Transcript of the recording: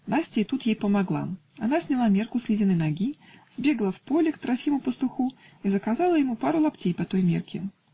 Настя и тут ей помогла: она сняла мерку с Лизиной ноги, сбегала в поле к Трофиму пастуху и заказала ему пару лаптей по той мерке.